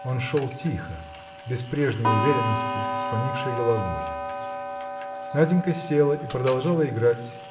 Он шел тихо, без прежней уверенности, с поникшей головой. Наденька села и продолжала играть